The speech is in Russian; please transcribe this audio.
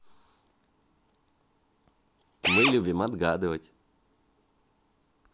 мы любим отгадывать